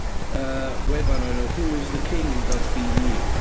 yy wefan o'r enw who is the king dot be.